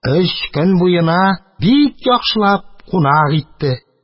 Өч көн буена бик яхшылап кунак итте.